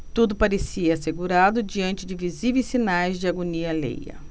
tudo parecia assegurado diante de visíveis sinais de agonia alheia